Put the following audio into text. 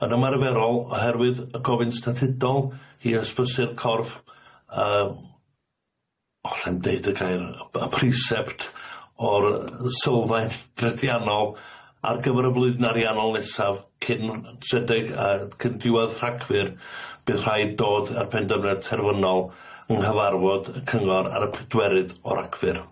Yn ymarferol oherwydd y gofyn statudol i ysbysu'r corff yy o alla i'm deud y gair yy y prisept o'r yy sylfaen drethiannol ar gyfer y flwyddyn ariannol nesaf cyn rhedeg yy cyn diwedd Rhagfyr bydd rhaid dod ar benderfyniad terfynol yng nghyfarfod y cyngor ar y pedwerydd o Ragfyr.